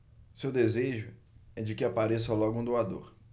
seu desejo é de que apareça logo um doador